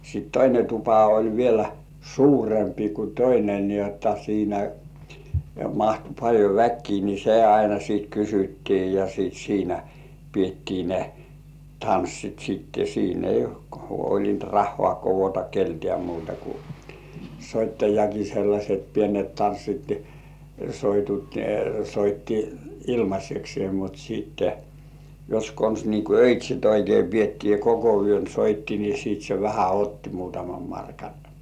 sitten toinen tupa oli vielä suurempi kuin toinen niin jotta siinä mahtui paljon väkeä niin se aina sitten kysyttiin ja sitten siinä pidettiin ne tanssit sitten siinä ei huolinut rahaa koota keneltäkään muuta kuin soittajakin sellaiset pienet tanssit soitut soitti ilmaiseksi mutta sitten jos konsa niin kuin öitsit oikein pidettiin ja koko yön soitti niin sitten se vähän otti muutaman markan